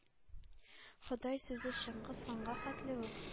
“ходай“ сүзе чыңгыз ханга хәтле үк